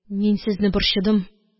Мин сезне борчыдым